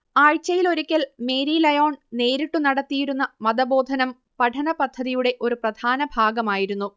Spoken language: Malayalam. ആഴ്ചയിലൊരിക്കൽ മേരി ലയോൺ നേരിട്ടു നടത്തിയിരുന്ന മതബോധനം പഠനപദ്ധതിയുടെ ഒരു പ്രധാന ഭാഗമായിരുന്നു